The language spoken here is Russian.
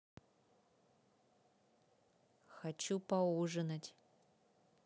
хочу поужинать